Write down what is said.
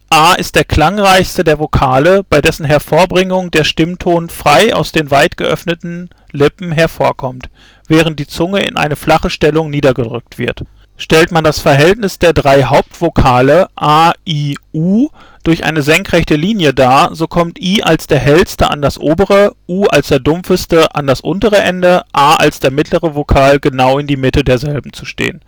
A ist der klangreichste der Vokale, bei dessen Hervorbringen der Stimmton frei aus den weit geöffneten Lippen hervorkommt, während die Zunge in eine flache Stellung niedergedrückt wird. Stellt man das Verhältnis der drei Hauptvokale a, i, u durch eine senkrechte Linie dar, so kommt i als der hellste an das obere, u als der dumpfeste an das untere Ende, a als der mittlere Vokal genau in die Mitte derselben zu stehen